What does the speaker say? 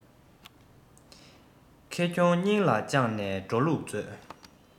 ཁེ གྱོང སྙིང ལ བཅངས ནས འགྲོ ལུགས མཛོད